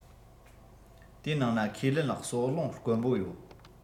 དེའི ནང ན ཁས ལེན གསོ རླུང དཀོན པོ ཡོད